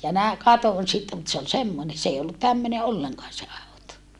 ja - katsoin sitten mutta se oli semmoinen se ei ollut tämmöinen ollenkaan se auto